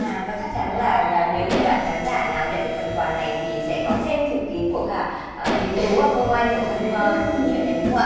à và chắc chắn là à nếu như bạn khán giả nào nhận được phần quà này thì sẽ có thêm chữ ký của cả à đình tú và phương oanh ở trong cuốn truyện này đúng không ạ